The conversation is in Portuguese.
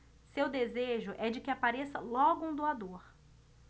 seu desejo é de que apareça logo um doador